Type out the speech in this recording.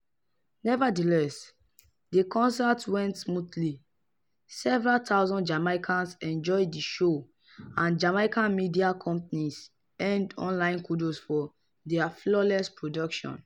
Nevertheless, the concert went smoothly, several thousand Jamaicans enjoyed the show and Jamaican media companies earned online kudos for their flawless production: